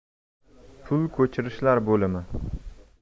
pul ko'chirishlar bo'limi